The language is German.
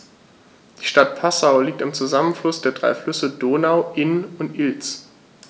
Die Stadt Passau liegt am Zusammenfluss der drei Flüsse Donau, Inn und Ilz.